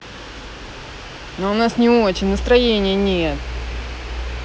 а у нас не очень настроения нет